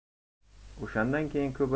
o'shandan keyin ko'p